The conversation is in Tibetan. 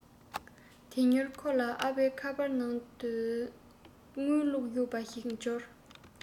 དེ མྱུར ཁོ ལ ཨ ཕའི ཁ པར ནང དོན དངུལ བླུག ཡོད ཞེས པ ཞིག འབྱོར